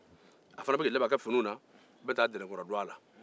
a bɛka i labɛn a ka finiw a bɛna taa dɛnɛnkura dɔgɔ la